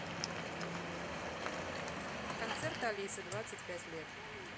концерт алисы двадцать пять лет